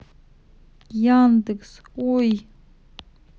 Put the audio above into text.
яндекс ой